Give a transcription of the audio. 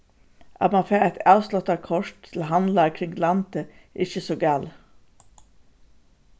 at mann fær eitt avsláttarkort til handlar kring landið er ikki so galið